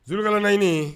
Sulukala nahini